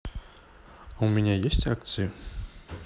а у меня есть акции